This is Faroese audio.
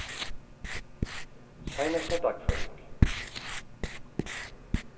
seinasta dagføring